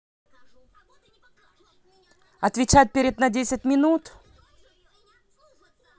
отвечать перед на десять минут